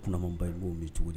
Kumaman ba'w bɛ cogo di